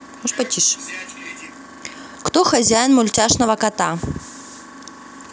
кто хозяин мультяшного кота